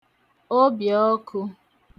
obìọkụ̄